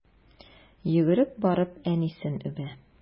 Йөгереп барып әнисен үбә.